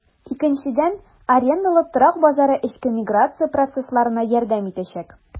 Икенчедән, арендалы торак базары эчке миграция процессларына ярдәм итәчәк.